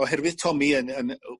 Oherwydd tomi yn y yn y o